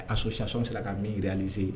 A sosiyansɔn sera ka miiri alize ye